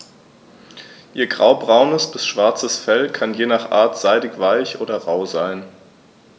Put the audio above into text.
Ihr graubraunes bis schwarzes Fell kann je nach Art seidig-weich oder rau sein.